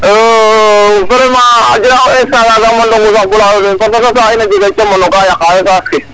Vraiment a jega instant ka ga'uma Ndongo sax bo layano ten parce que sax in a jega jamano ka yaqaayo saas ke,